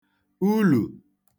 ulù